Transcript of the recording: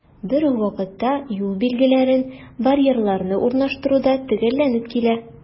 Бер үк вакытта, юл билгеләрен, барьерларны урнаштыру да төгәлләнеп килә.